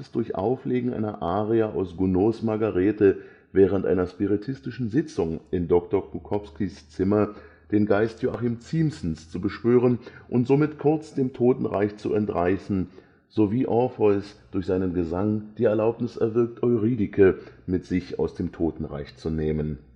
durch Auflegen einer Arie aus Gounods Margarete während einer spiritistischen Sitzung in Dr. Krokowkis Zimmer, den Geist Joachim Ziemßens zu beschwören und somit kurz dem Totenreich zu entreißen, so wie Orpheus durch seinen Gesang die Erlaubnis erwirkt, Eurydike mit sich aus dem Totenreich zu nehmen